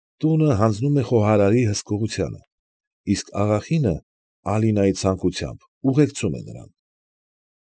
Տունը հանձնում է խոհարարի հսկողությանը, իսկ աղախինը Ալինայի ցանկությամբ ուղեկցում է նրան։